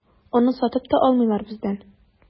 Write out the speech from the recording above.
Аны сатып та алмыйлар бездән.